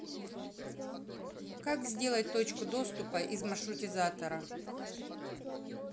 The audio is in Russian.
как сделать точку доступа из маршрутизатора